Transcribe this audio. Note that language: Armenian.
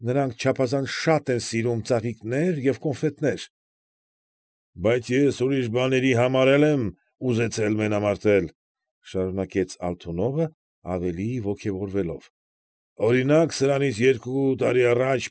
Նրանք չափազանց շատ են սիրում ծաղիկներ և կոնֆետներ։ ֊ Բայց ես ուրիշ բաների համար էլ եմ ուզեցել մենամարտել,֊ շարունակեց Ալթունովը, ավելի ոգևորվելով,֊ օրինակ, սրանից երկու տարի առաջ։